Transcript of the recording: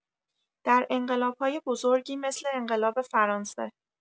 در انقلاب‌‌های بزرگی مثل انقلاب فرانسه